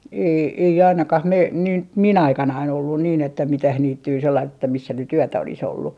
ei ei ainakaan - niin - minun aikanani ollut niin että mitään niittyä sellaista että missä nyt yötä olisi ollut